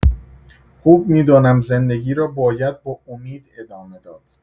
خوب می‌دانم زندگی را باید با امید ادامه داد.